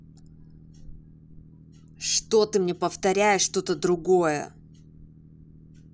что ты мне повторяешь что то другое